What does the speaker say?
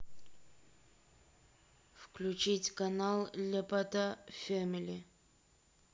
включить канал ляпота фэмили